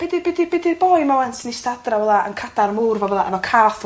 be' 'di be' 'di be' 'di'r boi 'ma 'wan sy'n ista adra fel 'a yn cadar mowr fel fel 'a efo cath...